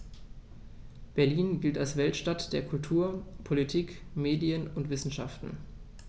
Berlin gilt als Weltstadt der Kultur, Politik, Medien und Wissenschaften.